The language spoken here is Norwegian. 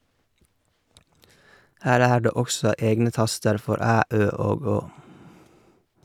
Her er det også egne taster for æ, ø og å.